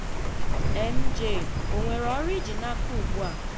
MJ: O nwere ọrụ ị ji n’aka ugbu a?